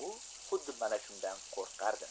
u xuddi mana shundan qo'rqardi